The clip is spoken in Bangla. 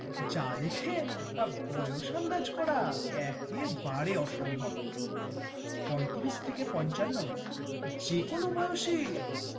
যা দেখে বয়স আন্দাজ করা একেবারে অসম্ভব ৩৫ থেকে ৫৫ যেকোনো বয়সই